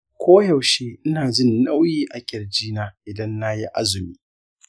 koyaushe ina jin nauyi a ƙirji na idan nayi azumi.